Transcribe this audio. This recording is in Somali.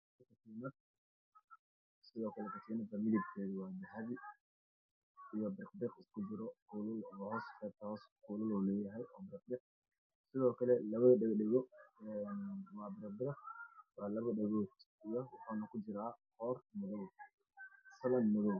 Katiinad dahabi ah oo hoos kuulal ku leh iyo labo dhagood oo dahabi ah waxay kujiraan qoor ama salan madow.